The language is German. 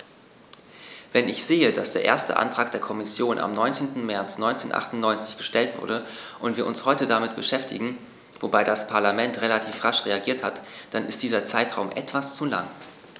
Wenn ich sehe, dass der erste Antrag der Kommission am 19. März 1998 gestellt wurde und wir uns heute damit beschäftigen - wobei das Parlament relativ rasch reagiert hat -, dann ist dieser Zeitraum etwas zu lang.